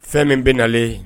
Fɛn min bɛ nalen